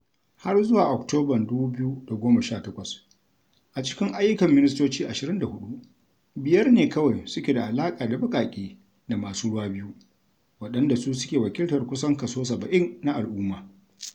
Har zuwa Oktoban 2018, a cikin ayyukan ministoci 24, biyar ne kawai suke da alaƙa da baƙaƙe da masu ruwa biyu, waɗanda su suke wakiltar kusan kaso 70 na al'umma.